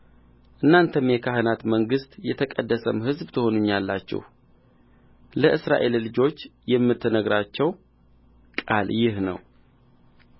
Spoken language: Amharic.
እናንተም የካህናት መንግሥት የተቀደሰም ሕዝብ ትሆኑልኛላችሁ ለእስራኤል ልጆች የምትነግራቸው ቃል ይህ ነው